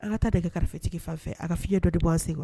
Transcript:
An ka taa nege karafetigi fan fɛ a ka fiɲɛ dɔɔni bɔ an sen kɔrɔ.